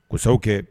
Sa kɛ